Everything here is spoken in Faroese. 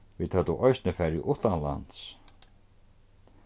vit høvdu eisini farið uttanlands